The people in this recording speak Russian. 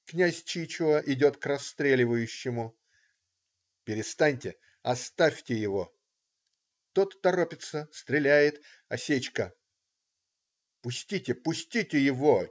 Кн. Чичуа идет к расстреливающему: "перестаньте, оставьте его!" Тот торопится, стреляет. Осечка. "Пустите, пустите его!